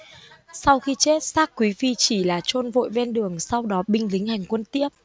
sau khi chết xác quý phi chỉ là chôn vội ven đường sau đó binh lính hành quân tiếp